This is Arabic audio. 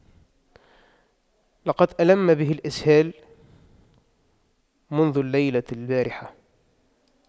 لقد ألم به لإسهال منذ الليلة البارحة